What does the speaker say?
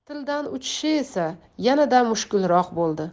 tildan uchishi esa yanada mushkulroq bo'ldi